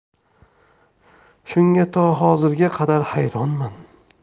shunga to hozirga qadar hayronman